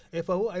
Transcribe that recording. FAO ay